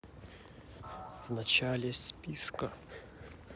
в начало списка